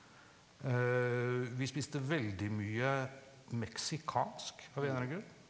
vi spiste veldig mye meksikansk av en eller annen grunn.